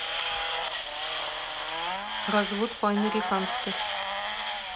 развод по американски